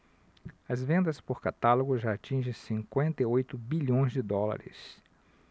as vendas por catálogo já atingem cinquenta e oito bilhões de dólares